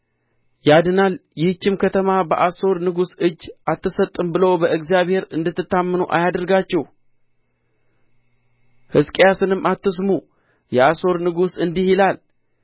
ያድነናል ይህችም ከተማ በአሦር ንጉሥ እጅ አትሰጥም ብሎ በእግዚአብሔር እንድትታመኑ አያድርጋችሁ ሕዝቅያስንም አትስሙ የአሦር ንጉሥ እንዲህ ይላል